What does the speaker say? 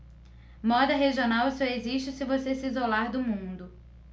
moda regional só existe se você se isolar do mundo